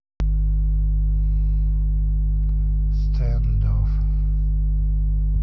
standoff